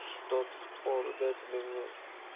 tiy ustod borida tllingni